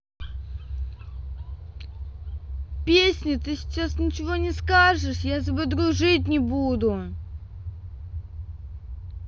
песни ты сейчас ничего не скажешь я с тобой дружить не буду